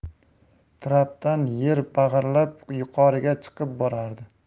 trapdan yer bag'irlab yuqoriga chiqib borardi